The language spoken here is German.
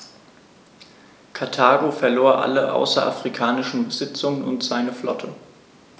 Karthago verlor alle außerafrikanischen Besitzungen und seine Flotte.